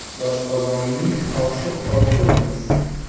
doshqozonning oshi xom bo'lmas